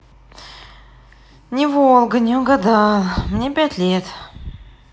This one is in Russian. не волга не угадал мне пять лет